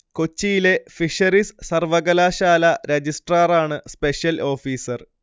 കൊച്ചിയിലെ ഫിഷറീസ് സർവകലാശാല രജിസ്ട്രാറാണ് സ്‌പെഷ്യൽ ഓഫീസർ